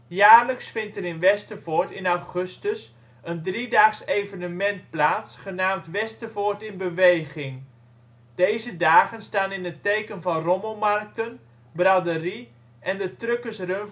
Jaarlijks vindt er in Westervoort in augustus een driedaags evenement plaats genaamd Westervoort in Beweging. Deze dagen staan in het teken van rommelmarkten, braderie en de truckersrun